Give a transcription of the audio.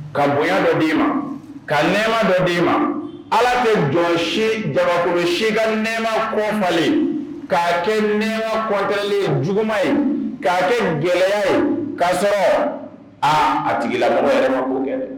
Ka bonya dɔ b d' i ma ka nɛma dɔ d' i ma ala tɛ jɔ si gakolo seka nɛma kɔnlen ka' kɛ nɛma kɔntɛlen juguma ye k kaa kɛ gɛlɛyaya ye k kaa sɔrɔ aa a tigi la